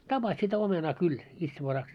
tapasi sitä omenaa kyllä itsevaraksi